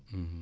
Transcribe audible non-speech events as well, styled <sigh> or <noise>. <hesitation> <hesitation>